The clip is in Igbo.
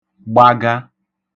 gbaga